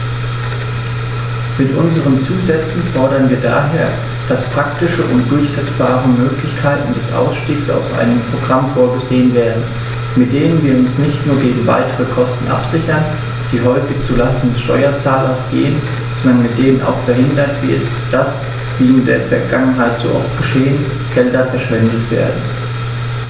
Mit unseren Zusätzen fordern wir daher, dass praktische und durchsetzbare Möglichkeiten des Ausstiegs aus einem Programm vorgesehen werden, mit denen wir uns nicht nur gegen weitere Kosten absichern, die häufig zu Lasten des Steuerzahlers gehen, sondern mit denen auch verhindert wird, dass, wie in der Vergangenheit so oft geschehen, Gelder verschwendet werden.